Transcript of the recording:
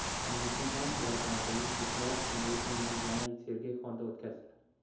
shuning uchun ham boloxonadagi yigitlar bu tunni yanada sergak holda o'tkazdilar